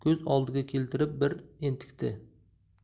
ko'z oldiga keltirib bir entikdi